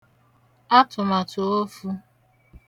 atụ̀màtụ̀ofū